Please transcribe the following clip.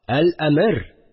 Әл-әмер